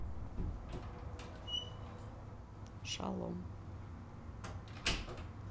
шалом